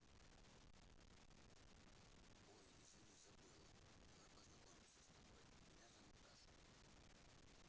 ой извини забыла давай познакомимся с тобой меня зовут даша